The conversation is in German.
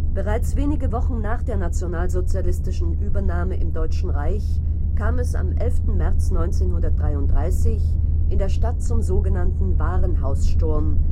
Bereits wenige Wochen nach der nationalsozialistischen Machtübernahme im Deutschen Reich kam es am 11. März 1933 in der Stadt zum sogenannten „ Warenhaussturm